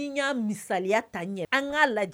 N y'a misaliya ta n yɛ An kaa lajɛ